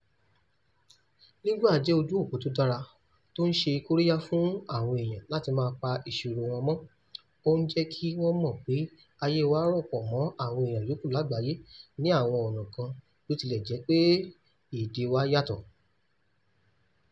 Lingua jẹ́ ojú òpó tó dàra torí ó ń ṣe kóríyá fún àwọn èèyàn láti má pa ìṣòro wọn mọ́ra, ó ń jẹ́ kí wọ́n mọ̀ pé ayé wa rọ̀ pọ̀ mọ́ àwọn èèyàn yókù lágbàáyé ní àwọn ọ̀na kan bí ó tilẹ̀ jẹ́ pé èdè wá yàtọ̀.